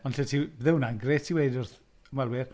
Ond allet ti- bydde hwnna'n grêt i ddweud wrth ymwelwyr.